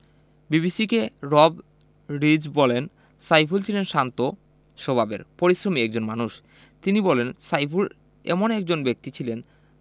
বিবিসিকে Rob Rees বলেন সাইফুল ছিলেন শান্ত স্বভাবের পরিশ্রমী একজন মানুষ তিনি বলেন সাইফুল এমন একজন ব্যক্তি ছিলেন